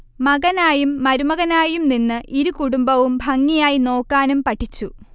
മകനായും മരുമകനായും നിന്ന് ഇരു കുടുംബവും ഭംഗിയായി നോക്കാനും പഠിച്ചു